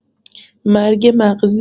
مرگ مغزی